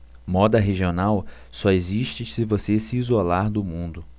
moda regional só existe se você se isolar do mundo